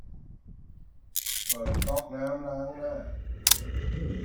เปิดก๊อกน้ำล้างหน้า